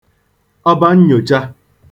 ọbannyòcha